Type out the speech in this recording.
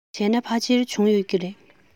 བྱས ན ཕལ ཆེར བྱུང ཡོད ཀྱི རེད